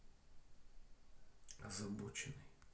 озабоченный